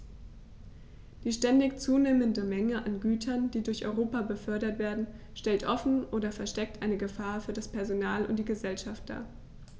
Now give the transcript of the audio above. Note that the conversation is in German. Die ständig zunehmende Menge an Gütern, die durch Europa befördert werden, stellt offen oder versteckt eine Gefahr für das Personal und die Gesellschaft dar.